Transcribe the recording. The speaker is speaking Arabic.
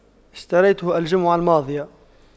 اشتريته الجمعة الماضية